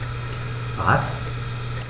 Was?